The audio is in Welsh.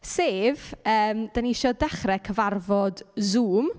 sef yym dan ni isie dechrau cyfarfod Zoom.